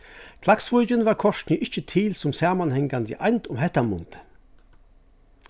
klaksvíkin var kortini ikki til sum samanhangandi eind um hetta mundið